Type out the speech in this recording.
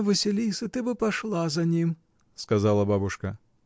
— Василиса, ты бы пошла за ним, — сказала бабушка.